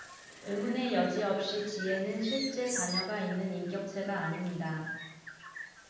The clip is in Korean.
의문의 여지없이 지혜는 실제 자녀가 있는 인격체가 아닙니다